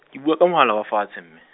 ke bua ka mohala wa fatshe mme.